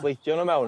Sleidio n'w mewn.